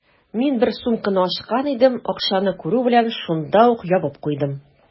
Мин бер сумканы ачкан идем, акчаны күрү белән, шунда ук ябып куйдым.